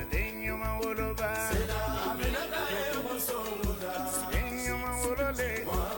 Den ɲuman woloba musolu la den ɲuman wolo be